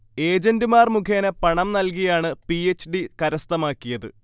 ഏജൻറുമാർ മുഖേന പണം നൽകിയാണ് പി. എച്ച്. ഡി. കരസ്ഥമാക്കിയത്